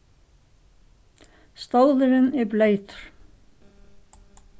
stólurin er bleytur